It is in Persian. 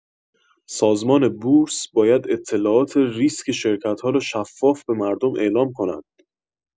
سازمان بورس، باید اطلاعات ریسک شرکت‌ها را شفاف به مردم اعلام کند.